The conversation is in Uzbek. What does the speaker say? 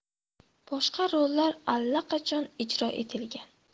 boshqa rollar allaqachon ijro etilgan